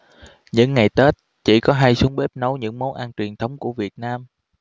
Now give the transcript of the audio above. những ngày tết chị có hay xuống bếp nấu những món ăn truyền thống của việt nam